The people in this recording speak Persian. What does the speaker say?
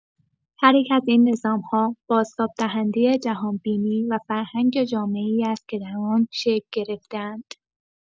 هر یک از این نظام‌ها بازتاب‌دهنده جهان‌بینی و فرهنگ جامعه‌ای است که در آن شکل گرفته‌اند.